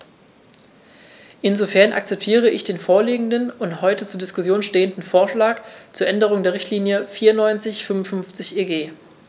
Insofern akzeptiere ich den vorliegenden und heute zur Diskussion stehenden Vorschlag zur Änderung der Richtlinie 94/55/EG.